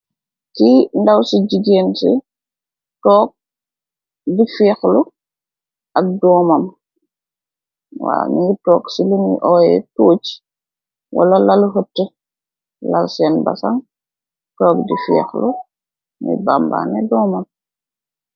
Li ndaw si jigeen si tog di fehlu ak domam mu am mung tog si lun oyeh toog wala laali etah laal sen basan tog di fehlu moi bambane domam.